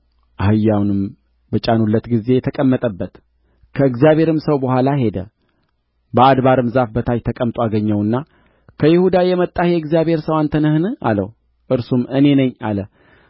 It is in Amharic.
አህያውንም በጫኑለት ጊዜ ተቀመጠበት ከእግዚአብሔርም ሰው በኋላ ሄደ በአድባርም ዛፍ በታች ተቀምጦ አገኘውና ከይሁዳ የመጣህ የእግዚአብሔር ሰው አንተ ነህን አለው እርሱም እኔ ነኝ አለ